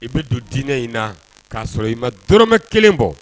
I bɛ don diinɛ in na k'a sɔrɔ i ma dmɛ kelen bɔ